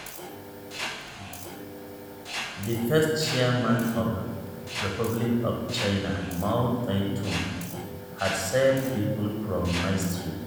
The first Chairman of the Republic of China Mao Zedong had saved people from misery.